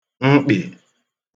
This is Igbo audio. mkpì